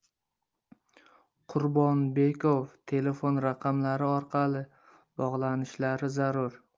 qurbonbekov telefon raqamlari orqali bog'lanishlari zarur